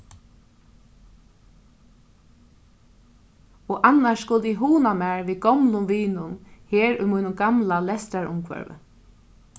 og annars skuldi eg hugna mær við gomlum vinum her í mínum gamla lestrarumhvørvi